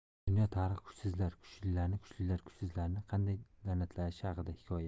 dunyo tarixi kuchsizlar kuchlilarni kuchlilar kuchsizlarni qanday la'natlashi haqida hikoya